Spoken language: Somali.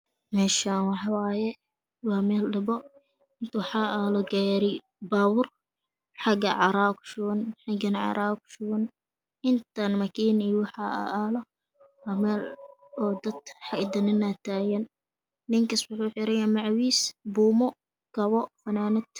Meeshaan waxaa waaye waa meel dhabo. Inta waxaa aalo gaari baabuur xaga carraa ku shuban xagana carraa ku shuban intane makiin iyo waxaa aalo aalo waa meel dad ninaa taagan ninkaas wuxuu xiran yahay macows, buumo kabo, fanaanad